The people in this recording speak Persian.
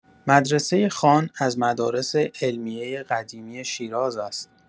مدرسه خان از مدارس علمیه قدیمی شیراز است.